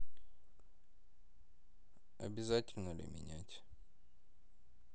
обязательно ли менять